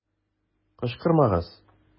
Кычкырмагыз!